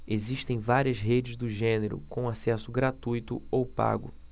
existem várias redes do gênero com acesso gratuito ou pago